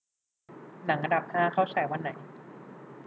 หนังอันดับห้าเข้าฉายวันไหน